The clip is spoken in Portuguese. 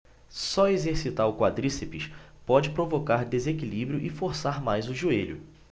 só exercitar o quadríceps pode provocar desequilíbrio e forçar mais o joelho